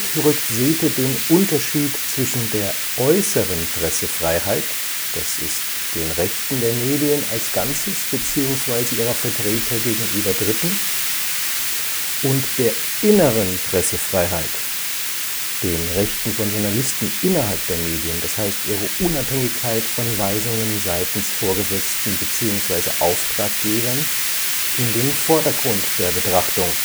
rückt Sethe den Unterschied zwischen der äußeren Pressefreiheit (den Rechten der Medien als Ganzes bzw. ihrer Vertreter gegenüber Dritten) und der inneren Pressefreiheit (den Rechten von Journalisten innerhalb der Medien, d. h. ihre Unabhängigkeit von Weisungen seitens Vorgesetzten bzw. Auftraggebern) in den Vordergrund der Betrachtung